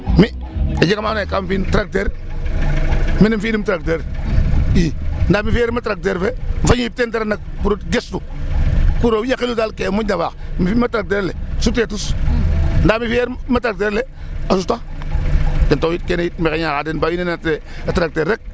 Mi' a jega ma andoona yee kaam fi'in tracteur mene fi'inum tracteur i ndaa me fi'eerma tracteur fañ o yip ten dara nak pour o gestu pour o wiƴaqulu daal ko moƴna faax me fi' ma tracteur ale sutee tus ndaa me fi'eerma a tracteur ale a suta ten taxu yit kene yit maxey ñaxaa den ba wiin we nannat a tracteur rek.